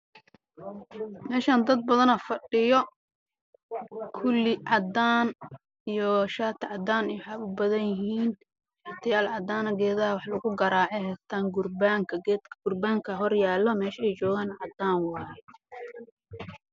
Meeshaan dad badan aa fadhiya niman iyo ilmo